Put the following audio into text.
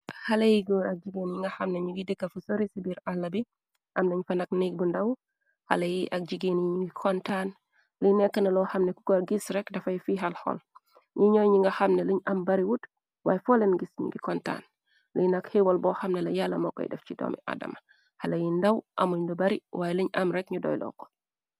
Xale yi góor ak jigeen ñi nga xamna ñu gi dëkka fu sorisi biir àlla bi am nañ fa nak neg bu ndàw xale yi ak jigeen yi ñuge kontaan li nekka na loo xamne kukoor gis rek dafay fiixal xool ñye ñooy ñi nga xamna liñ am bariwoot waaye foolen gis ñugi kontaan li nak xiiwal boo xamna la yàlla mo koy def ci doomi adama xale yi ndaw amuñ lu bari waaye liñ am rek ñu doyloo ko.